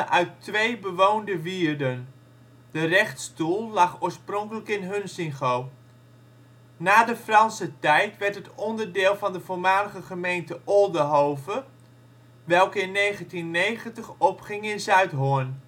uit twee bewoonde wierden. De rechtstoel lag oorspronkelijk in Hunsingo. Na de Franse tijd werd het onderdeel van de voormalige gemeente Oldehove, welke in 1990 opging in Zuidhorn